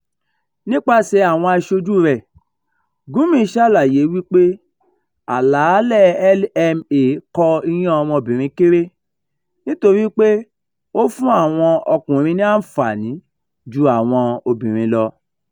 Nípasẹ̀ àwọn aṣojú rẹ̀, Gyumi ṣàlàyé wípé àlàálẹ̀ LMA kọ iyán obìnrin kéré nítorí pé ó fún àwọn ọkùnrin ní àǹfààní ju àwọn obìnrin lọ.